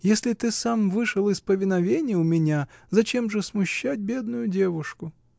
Если ты сам вышел из повиновения у меня, зачем же смущать бедную девушку?